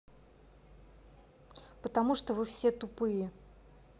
потому что вы все тупые